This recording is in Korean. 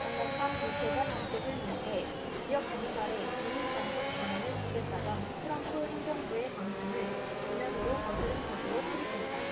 강력한 불체자 단속을 위해 지역 경찰에 이민 단속 권한을 주겠다던 트럼프 행정부의 방침을 정면으로 거스른 것으로 풀이된다